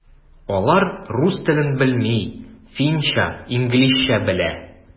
Алар рус телен белми, финча, инглизчә белә.